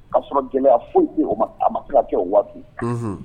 O ka'a sɔrɔ gɛlɛya foyi ma a filacɛ waati